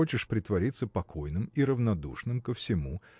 хочешь притвориться покойным и равнодушным ко всему